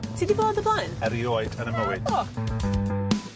Ti 'di bod o blaen? Erioed yn ym mywyd. Naddo?